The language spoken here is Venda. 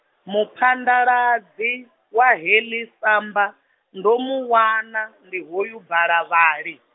mupandaladzi, wa heḽi samba ndo mu wana, ndi hoyu Balavhali.